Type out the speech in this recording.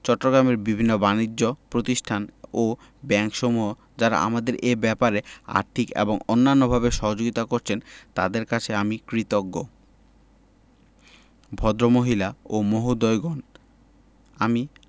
চট্টগ্রামের বিভিন্ন বানিজ্য প্রতিষ্ঠান ও ব্যাংকসমূহ যারা আমাদের এ ব্যাপারে আর্থিক এবং অন্যান্যভাবে সহযোগিতা করেছেন তাঁদের কাছে আমি কৃতজ্ঞভদ্রমহিলা ও মহোদয়গণ আমি